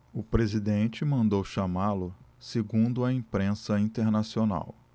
o presidente mandou chamá-lo segundo a imprensa internacional